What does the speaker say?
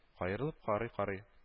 Каерылып карый-карый